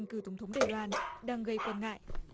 cử tổng thống đài loan đang gây quan ngại